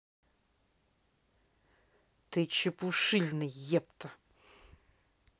ты чепушильный епта